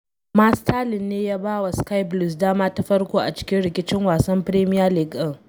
Amma Sterling ne ya ba wa Sky Blues dama ta farko a cikin rikicin wasan Premier League din.